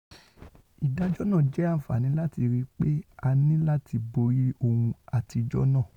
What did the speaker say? Ìdájọ́ náà jẹ àǹfààní láti rí i pé a nì láti borí ohun àtijọ́ náà